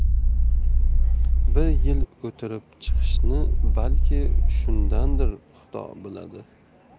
bir yil o'tirib chiqishi balki shundandir xudo biladi